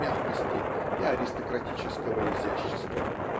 мягкости и аристократического изящества.